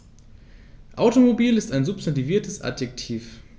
Automobil ist ein substantiviertes Adjektiv.